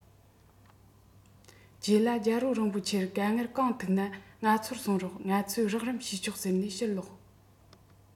རྗེས ལ རྒྱལ པོ རིན པོ ཆེར དཀའ ངལ གང ཐུག ནའི ང ཚོར གསུང རོགས ང ཚོས རོགས རམ ཞུས ཆོག ཟེར ནས ལོག ཕྱིན